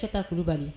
Cɛ ka kulubali